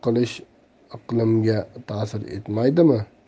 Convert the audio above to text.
qilish iqlimga tasir etmaydimi